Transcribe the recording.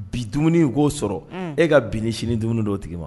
Bi dumuni, u k'o sɔrɔ, un, e ka bi ni sini dumuni d'o tigi ma.